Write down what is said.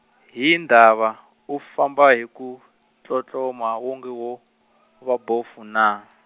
hi ndhava, u famba hi ku, tlotloma wonge wo, va bofu naa.